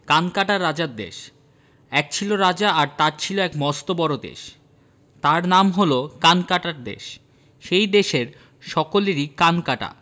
কানকাটা রাজার দেশ এক ছিল রাজা আর তার ছিল এক মস্ত বড়ো দেশ তার নাম হল কানকাটার দেশ সেই দেশের সকলেরই কান কাটা